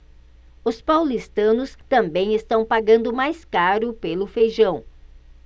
os paulistanos também estão pagando mais caro pelo feijão